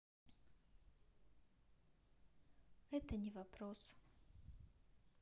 это не вопрос